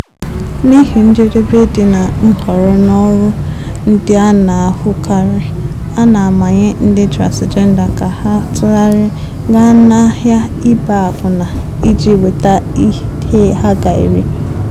N'ihi njedebe dị na nhọrọ n'ọrụ ndị a na-ahụkarị, a na-amanye ndị transịjenda ka ha tụgharịa gaa n'ahịa ịgba akwụna iji nweta ihe ha ga-eri.